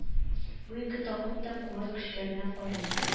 Бу ике такым да куәт көчләренә карый